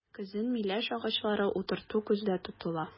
Көзен миләш агачлары утырту күздә тотыла.